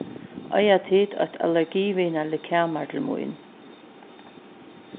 eiga tit eitt allergivinarligt kamar til mín